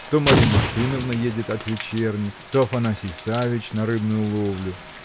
То Марья Мартыновна едет от вечерни то Афанасий Савич на рыбную ловлю.